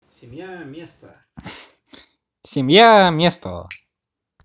семья место